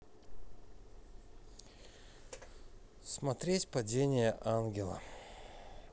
смотреть падение ангела